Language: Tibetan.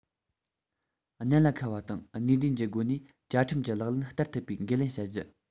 གནད ལ འཁེལ བ དང ནུས ལྡན གྱི སྒོ ནས བཅའ ཁྲིམས ལག ལེན བསྟར ཐུབ པའི འགན ལེན བྱ རྒྱུ